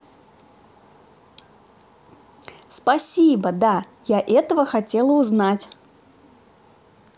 спасибо да я этого хотела узнать